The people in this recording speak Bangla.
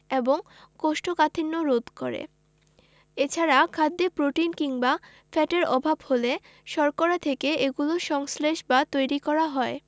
এবং কোষ্ঠকাঠিন্য রোধ করে এছাড়া খাদ্যে প্রোটিন কিংবা ফ্যাটের অভাব হলে শর্করা থেকে এগুলো সংশ্লেষ বা তৈরী করা হয়